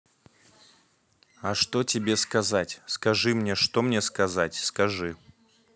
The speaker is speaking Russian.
а что тебе сказать скажи мне что мне сказать скажи